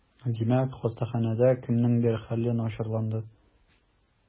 Димәк, хастаханәдә кемнеңдер хәле начарланды?